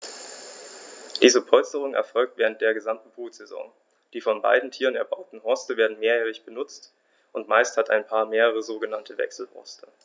Diese Polsterung erfolgt während der gesamten Brutsaison. Die von beiden Tieren erbauten Horste werden mehrjährig benutzt, und meist hat ein Paar mehrere sogenannte Wechselhorste.